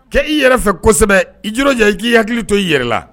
Kɛ i yɛrɛ fɛ kosɛbɛ, i jija i k'i hakili to i yɛrɛ la.